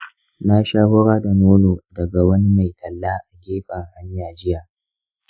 na sha hura da nono daga wani mai talla a gefen hanya jiya.